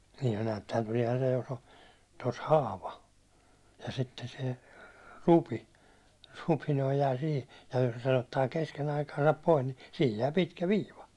siihen näettehän tuleehan se jos oli tuossa haava ja sitten se rupi rupi jää siihen ja jos sen ottaa kesken aikaansa pois niin siihen jää pitkä viiva